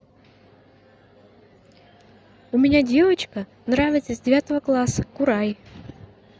у меня девочка нравится из девятого класса курай